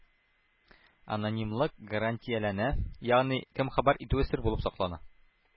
Анонимлык гарантияләнә, ягъни, кем хәбәр итүе сер булып саклана.